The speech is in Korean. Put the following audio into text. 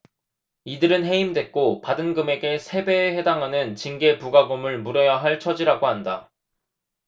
이들은 해임됐고 받은 금액의 세 배에 해당하는 징계부과금을 물어야 할 처지라고 한다